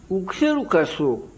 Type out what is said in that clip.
u sera u ka so